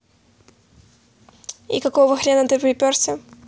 ни какого хрена ты приперся